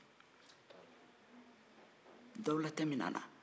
dawula tɛ minɛn na